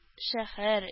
Шәһәр